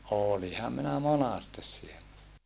olinhan minä monasti siellä